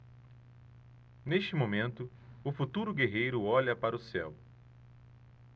neste momento o futuro guerreiro olha para o céu